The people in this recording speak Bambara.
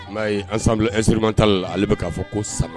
Maa an san e suruma t'a la ale bɛ k'a fɔ ko sama